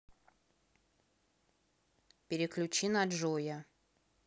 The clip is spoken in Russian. переключи на джоя